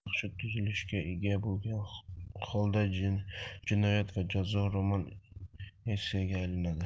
shunday qilib yaxshi tuzilishga ega bo'lgan holda jinoyat va jazo roman essega aylanadi